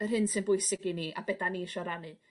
yr hyn sy'n bwysig i ni a be' 'dan ni isio rannu.